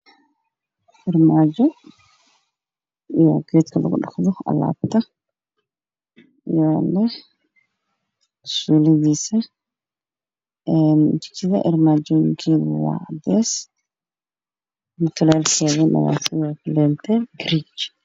Armaajo iyo kan alaabta lugu dhaqdo, jikada armaajooyinka waa cadeys, mutuleelkeeda waa gareej.